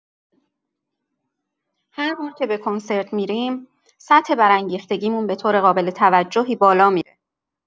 هر بار که به کنسرت می‌ریم، سطح برانگیختگیمون به‌طور قابل‌توجهی بالا می‌ره.